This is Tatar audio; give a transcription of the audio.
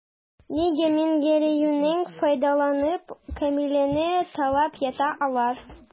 Нигә миңгерәюеннән файдаланып, Камиләне талап ята алар?